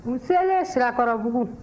u selen sirakɔrɔbugu